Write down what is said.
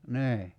niin